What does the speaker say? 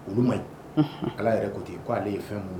Olu ma ala yɛrɛ ko ten yen k ko aleale ye fɛn wolo